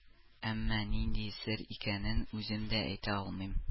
Әмма нинди сер икәнен үзем дә әйтә алмыйм